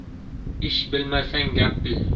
ish bilmasang gap bil